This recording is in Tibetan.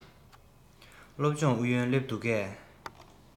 སློབ སྦྱོང ཨུ ཡོན སླེབས འདུག གས